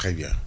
très bien